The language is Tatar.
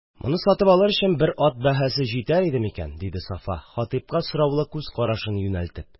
– моны сатып алыр өчен бер ат баһасы җитәр иде микән? – диде сафа, хатипка сораулы күз карашын юнәлтеп